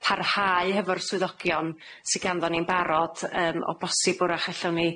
parhau hefo'r swyddogion sy ganddon ni barod, yym, o bosib wrach allwn ni